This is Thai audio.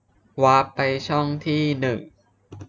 วาปไปช่องที่หนึ่ง